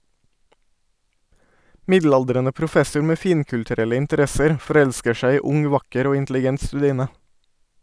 Middelaldrende professor med finkulturelle interesser forelsker seg i ung vakker og intelligent studine.